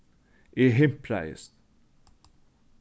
eg himpraðist